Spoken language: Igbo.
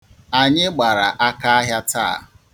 Anyị gbara akaahịa taa.